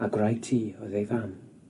A gwraig tŷ oedd ei fam.